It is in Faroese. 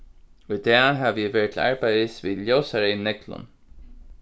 í dag havi eg verið til arbeiðis við ljósareyðum neglum